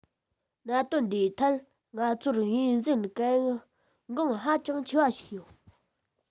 གནད དོན འདིའི ཐད ང ཚོར ངོས འཛིན གལ འགངས ཧ ཅང ཆེ བ ཞིག བྱུང ཡོད